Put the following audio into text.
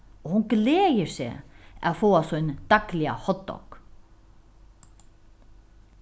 og hon gleðir seg at fáa sín dagliga hotdogg